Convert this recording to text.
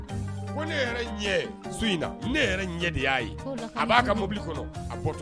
Ne yɛrɛ ɲɛ su in na, ne yɛrɛ ɲɛ de y'a ye, kow lafalen , a b'a ka mobili kɔnɔ, a bɔ tɔ